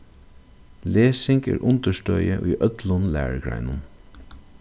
lesing er undirstøðið í øllum lærugreinum